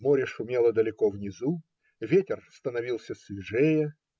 Море шумело далеко внизу, ветер становился свежее.